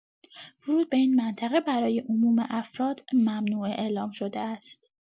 ورود به این منطقه برای عموم افراد ممنوعه اعلام شده است.